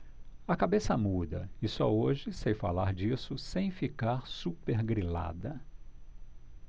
a cabeça muda e só hoje sei falar disso sem ficar supergrilada